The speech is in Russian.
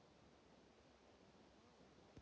аниме про баскетбол